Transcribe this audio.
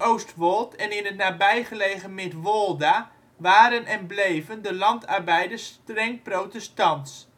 Oostwold en in het nabijgelegen Midwolda waren en bleven de landarbeiders streng protestants